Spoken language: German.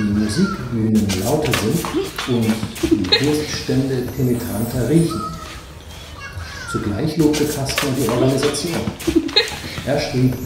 lauter “sind und „ die Wurst-Stände penetranter “riechen. Zugleich lobte Kastner die Organisation. Er schrieb